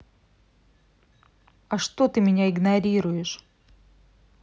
а что ты меня игнорируешь